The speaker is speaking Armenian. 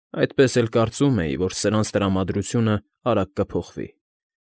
Ես այդպես էլ կարծում էի, որ սրանցք տրամադրությունն արագ կփոխվի։